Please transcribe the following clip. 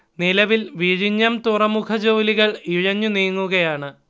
നിലവിൽ വിഴിഞ്ഞം തുറമുഖ ജോലികൾ ഇഴഞ്ഞു നീങ്ങുകയാണ്